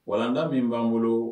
Walanda min b'an bolo